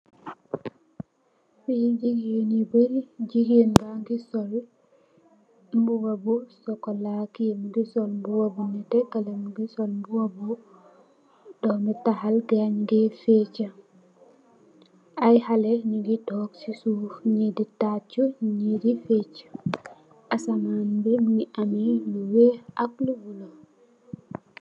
Fii gigain yu bari, gigain baangy sol mbuba bu chocolat, kii mungy sol mbuba bu nehteh, keleh mungy sol mbuba bu ah lu takhaw, gai njungeh fecha, eyy haleh njungy tok cii suff, njee dii taaju, njee di feuch, asahmance bii mungy ameh lu wekh ak lu bleu.